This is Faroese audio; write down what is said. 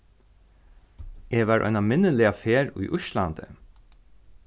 eg var eina minniliga ferð í íslandi